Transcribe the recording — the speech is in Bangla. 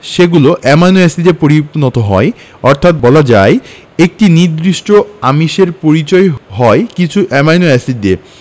সেগুলো অ্যামাইনো এসিডে পরিণত হয় অর্থাৎ বলা যায় একটি নির্দিষ্ট আমিষের পরিচয় হয় কিছু অ্যামাইনো এসিড দিয়ে